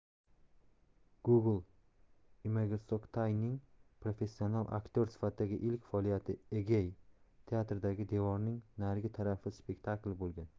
google imagesoktayning professional aktyor sifatidagi ilk faoliyati egey teatridagi devorning narigi tarafi spektakli bo'lgan